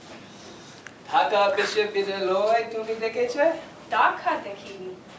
ঢাকা বিশ্ববিদ্যালয় তুমি দেখেছো ঢাকা দেখিনি